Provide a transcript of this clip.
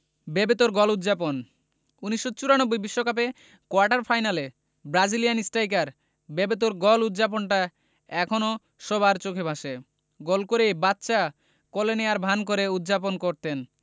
বেবেতোর গোল উদ্ যাপন ১৯৯৪ বিশ্বকাপে কোয়ার্টার ফাইনালে ব্রাজিলিয়ান স্ট্রাইকার বেবেতোর গোল উদ্ যাপনটা এখনো সবার চোখে ভাসে গোল করেই বাচ্চা কোলে নেওয়ার ভান করে উদ্ যাপন করতেন